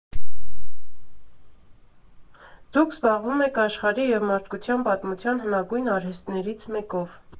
Դուք զբաղվում եք աշխարհի և մարդկության պատմության հնագույն արհեստներից մեկով։